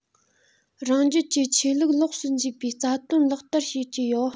རང རྒྱལ གྱིས ཆོས སྲིད ལོགས སུ འབྱེད པའི རྩ དོན ལག བསྟར བྱེད ཀྱི ཡོད